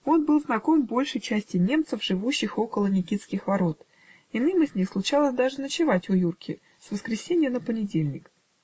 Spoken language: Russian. Он был знаком большей части немцев, живущих около Никитских ворот: иным из них случалось даже ночевать у Юрки с воскресенья на понедельник.